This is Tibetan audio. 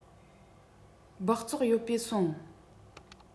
སྦགས བཙོག ཡོད པའི སོང